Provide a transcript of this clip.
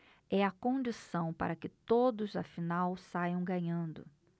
é a condição para que todos afinal saiam ganhando